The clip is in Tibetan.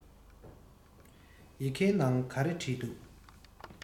ཡི གེའི ནང ག རེ བྲིས འདུག